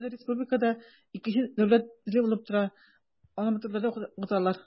Татар теле республикада икенче дәүләт теле булып тора, аны мәктәпләрдә укыталар.